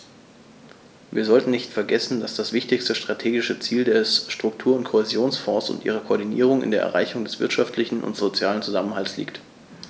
Wir sollten nicht vergessen, dass das wichtigste strategische Ziel der Struktur- und Kohäsionsfonds und ihrer Koordinierung in der Erreichung des wirtschaftlichen und sozialen Zusammenhalts liegt.